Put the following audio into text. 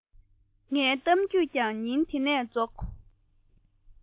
ངའི གཏམ རྒྱུད ཀྱང ཉིན དེ ནས རྫོགས